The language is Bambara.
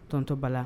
Tonton bala